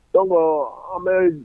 Don an bɛ